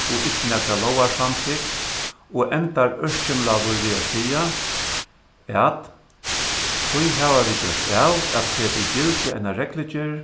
og ikki nakra lógarsamtykt og endar ørkymlaður við at siga at tí hava vit gjørt av at seta í gildi eina reglugerð